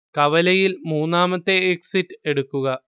കവലയിൽ മൂന്നാമത്തെ എക്സിറ്റ് എടുക്കുക